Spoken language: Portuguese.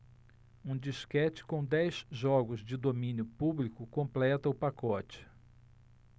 um disquete com dez jogos de domínio público completa o pacote